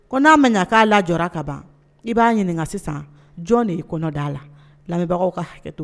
Ko n'a ma k'a la jɔra ka ban i b'a ɲininka sisan jɔn de'i kɔnɔ da a la lamɛnbagaw ka hakɛto